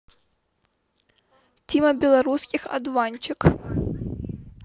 тима белорусских одуванчик